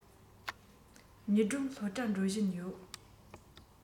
ཉི སྒྲོན སློབ གྲྭར འགྲོ བཞིན ཡོད